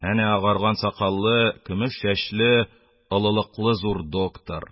Әнә агарган сакаллы, көмеш чәчле, олылыклы зур доктор...